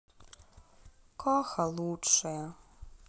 каха лучшее